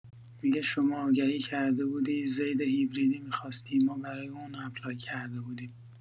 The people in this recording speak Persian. می‌گه شما آگهی کرده بودی زید هیبریدی می‌خواستی ما برای اون اپلای کرده بودیم.